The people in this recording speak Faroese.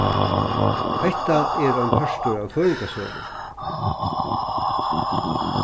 hetta er ein partur av føroyingasøgu